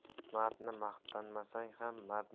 mardni maqtamasang ham mard